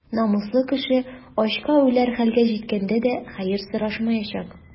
Намуслы кеше ачка үләр хәлгә җиткәндә дә хәер сорашмаячак.